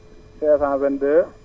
522